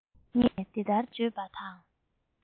ངས འདི ལྟར བརྗོད པ དང